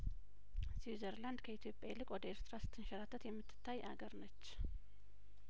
ስዊዘርላንድ ከኢትዮጵያ ይልቅ ወደ ኤርትራ ስትንሸራተት የምትታይ አገርነች